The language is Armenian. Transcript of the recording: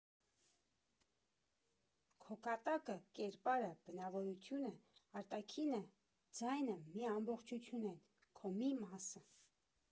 Քո կատակը, կերպարը, բնավորությունը, արտաքինը, ձայնը մի ամբողջություն են, քո մի մասը։